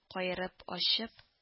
Каерып ачып